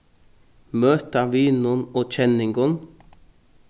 møta vinum og kenningum